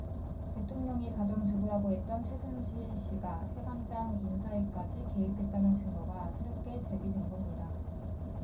대통령이 가정주부라고 했던 최순실씨가 세관장 인사에까지 개입했다는 증거가 새롭게 제기된겁니다